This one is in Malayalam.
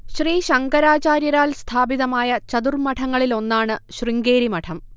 ശ്രീശങ്കരാചാര്യരാൽ സ്ഥാപിതമായ ചതുർമ്മഠങ്ങളിൽ ഒന്നാണു ശൃംഗേരി മഠം